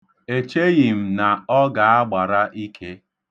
Echeghị m na ọ ga-agbara ike.